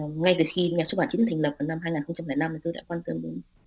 ngay từ khi nhà xuất bản chính thức thành lập vào năm hai ngàn không trăm lẻ năm tôi đã quan tâm đến